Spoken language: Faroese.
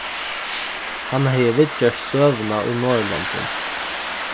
hann hevði viðgjørt støðuna í norðurlondum